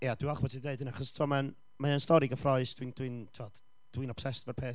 Ia, dwi'n falch bo' ti deud hynna achos tibod mae'n, mae o'n stori gyffroes dwi'n dwi'n tibod dwi'n obsessed efo'r peth.